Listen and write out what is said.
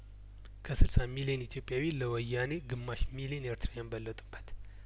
ከስልሳ ሚሊየን ኢትዮጵያዊ ለወያኔ ግማሽ ሚሊየን ኤርትራያን በለጡበት